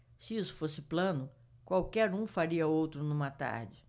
se isso fosse plano qualquer um faria outro numa tarde